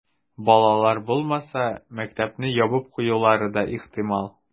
Балалар булмаса, мәктәпне ябып куюлары да ихтимал.